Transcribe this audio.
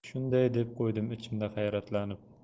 shunday deb qo'ydim ichimda hayratlanib